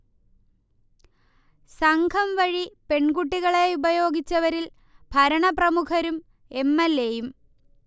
സംഘം വഴി പെൺകുട്ടികളെ ഉപയോഗിച്ചവരിൽ ഭരണപ്രമുഖരും എം. എൽ. എ. യും